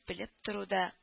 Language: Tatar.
Белеп тору да